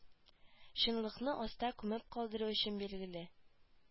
Чынлыкны аста күмеп калдыру өчен билгеле